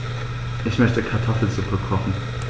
Ich möchte Kartoffelsuppe kochen.